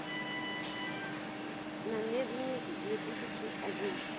намедни две тысячи один